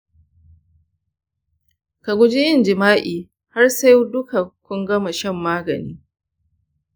ka guji yin jima’i har sai ku duka kun gama shan magani.